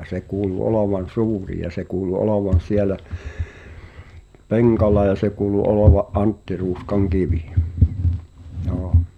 ja se kuului olevan suuri ja se kuului olevan siellä penkalla ja se kuului olevan Antti Ruuskan kivi joo